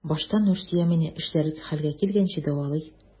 Башта Нурсөя мине эшләрлек хәлгә килгәнче дәвалый.